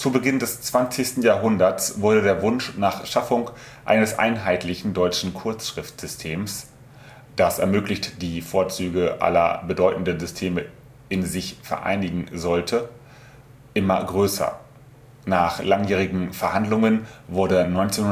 Beginn des 20. Jahrhunderts wurde der Wunsch nach Schaffung eines einheitlichen deutschen Kurzschriftsystems, das möglichst die Vorzüge aller bedeutenden Systeme in sich vereinigen sollte, immer größer. Nach langjährigen Verhandlungen wurde 1924